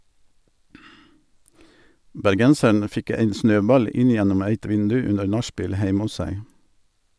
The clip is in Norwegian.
Bergenseren fikk ein snøball inn gjennom eit vindu under nachspiel heime hos seg.